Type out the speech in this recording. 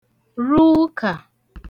rụ ụkà